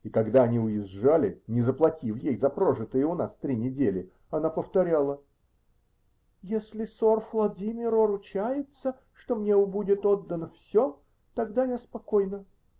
И, когда они уезжали, не заплатив ей за прожитые у нас три недели, она повторяла: -- Если сор Фладимиро ручается, что мне будет отдано все, тогда я спокойна.